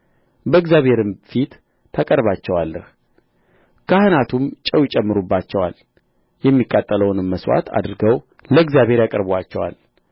በእግዚአብሔርም ፊት ታቀርባቸዋለህ ካህናቱም ጨው ይጨምሩባቸዋል የሚቃጠለውንም መሥዋዕት አድርገው ለእግዚአብሔር ያቀርቡአቸዋል